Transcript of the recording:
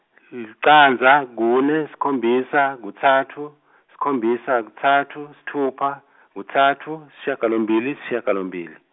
licandza kune sikhombisa kutfatfu, sikhombisa kutfatfu sitfupha, kutfatfu shagalombili shagalombili.